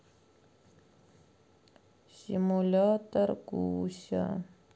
симулятор гуся